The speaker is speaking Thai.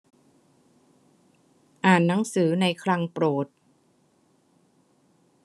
อ่านหนังสือในคลังโปรด